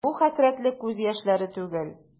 Бу хәсрәтле күз яшьләре түгел.